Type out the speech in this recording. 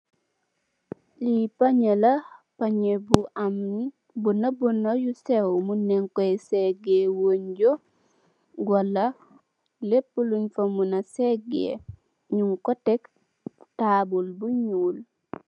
Li panjela panje bu am bane bane yu sewe munangiko sege basab Wala lapu lounu ko mana sege njungko Tek ci tabul bu njul